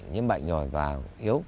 nhiễm bệnh rồi và yếu